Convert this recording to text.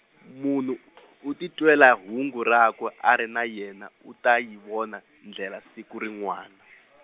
munhu , u titwela hungu rakwe a ri na yena u ta yi vona, ndlela siku rin'wana.